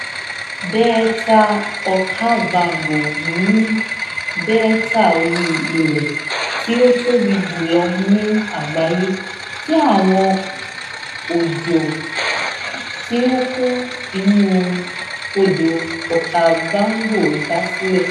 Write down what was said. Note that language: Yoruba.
Dẹ́ẹ́tà Okavango ní dẹ́ẹ́tà orí ilẹ̀ tí ó tóbi jùlọ ní àgbáyé, tí àwọn òjò tí ó kún inú Odò Okavango dá sílẹ̀.